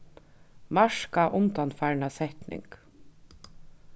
marka undanfarna setning